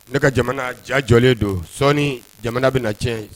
Ne ka jamana diyajɔlen don sɔɔni jamana bɛ na tiɲɛ